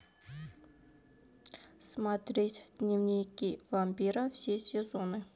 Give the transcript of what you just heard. смотреть дневники вампира все сезоны